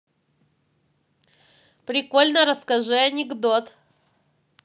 прикольно расскажи анекдот